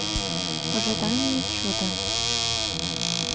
в ожидании чуда